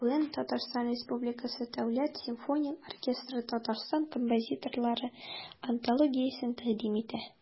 Бүген ТР Дәүләт симфоник оркестры Татарстан композиторлары антологиясен тәкъдим итә.